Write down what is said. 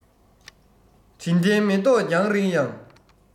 དྲི ལྡན མེ ཏོག རྒྱང རིང ཡང